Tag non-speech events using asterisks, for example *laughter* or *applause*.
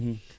*hesitation*